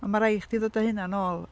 Ond mae rhaid i chdi ddod a hynna'n ôl...